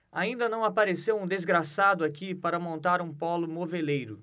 ainda não apareceu um desgraçado aqui para montar um pólo moveleiro